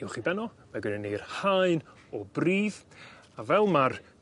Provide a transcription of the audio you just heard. uwch 'i ben o ma' gynnyn ni'r haen o bridd a fel ma'r